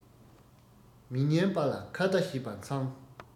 མི ཉན པ ལ ཁ ཏ བྱེད པ མཚང